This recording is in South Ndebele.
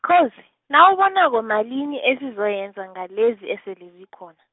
sikhozi, nawubonako malini esizoyenza, ngalezi esele zikhona.